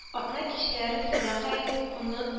Атна кичләрен сәдака итеп оныт